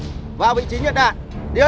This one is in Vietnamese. vào vị trí nhận đạn